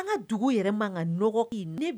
An ka dugu yɛrɛ man ka nɔgɔn ten, ne